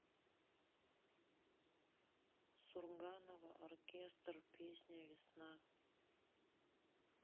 сурганово оркестр песня весна